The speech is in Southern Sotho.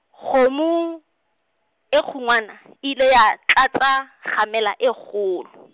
kgomo, e kgunwana, e ile ya tlatsa, kgamelo e kgolo.